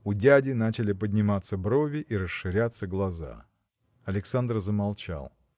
У дяди начали подниматься брови и расширяться глаза. Александр замолчал.